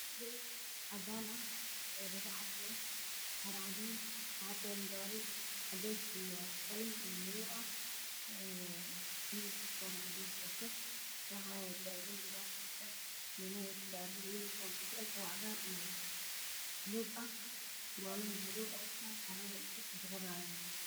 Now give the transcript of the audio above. Niman oo shaarar cagaaran wataan surwaalo madmadow ah wataan